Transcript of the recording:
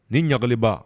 Nin naliba